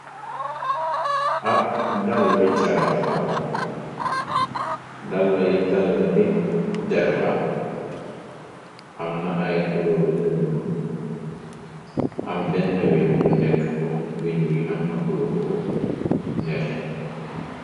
Ab dalli carax la dala yi dalli derla amna ay kuloor yu ñool am benna weñ bu nekk fu weñ yi am na culooruu nete.